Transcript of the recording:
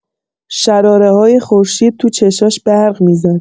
شراره‌های خورشید تو چشاش برق می‌زد.